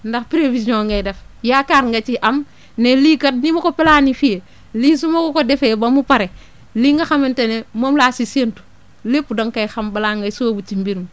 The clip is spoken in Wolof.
ndax prévision ngay def yaakaar nga ciy am ne lii kat ni ma ko planifié lii su ma ko defee ba mu pare lii nga xamante ne moom laa si séntu lépp da nga koy xam balaa ngay sóobu ci mbir mi